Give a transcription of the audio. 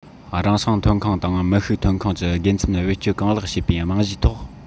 རང བྱུང ཐོན ཁུངས དང མི ཤུགས ཐོན ཁུངས ཀྱི དགེ མཚན བེད སྤྱོད གང ལེགས བྱེད པའི རྨང གཞིའི ཐོག